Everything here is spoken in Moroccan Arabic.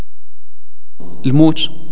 الموت